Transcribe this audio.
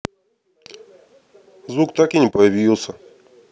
звук так и не появился